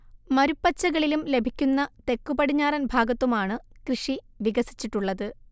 മരുപ്പച്ചകളിലും ലഭിക്കുന്ന തെക്കുപടിഞ്ഞാറൻ ഭാഗത്തുമാണ് കൃഷി വികസിച്ചിട്ടുള്ളത്